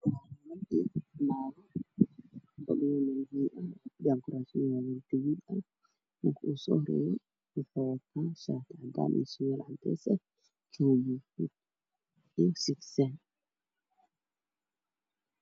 Waa hoos waxaa joogo niman iyo naago waxay ku fadhiyaan kuraas guduud ah waxay wataan shaati cadaan cabaayado madow dhulku waa matalo cadaan